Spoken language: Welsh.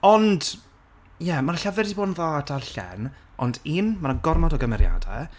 Ond, ie, ma'r llyfr 'di bod yn dda darllen ond un, ma' 'na gormod o gymeriade.